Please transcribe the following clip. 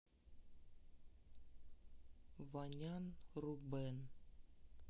ванян рубен